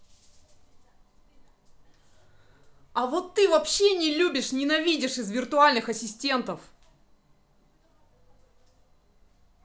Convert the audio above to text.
а вот ты вообще не любишь ненавидишь из виртуальных ассистентов